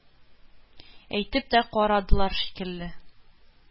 Әйтеп тә карадылар шикелле,